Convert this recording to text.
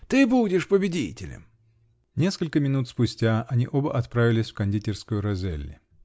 Ты будешь победителем!" Несколько минут спустя они оба отправились в кондитерскую Розелли.